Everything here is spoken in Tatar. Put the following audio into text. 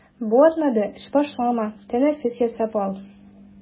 Бу атнада эш башлама, тәнәфес ясап ал.